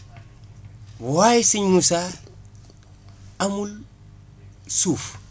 waaye sëñ Moussa amul suuf